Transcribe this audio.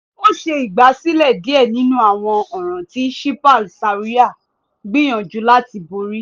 Ó ṣe ìgbàsílẹ̀ díẹ̀ nínú àwọn ọ̀ràn tí Shilpa Sayura ń gbìyànjú láti borí.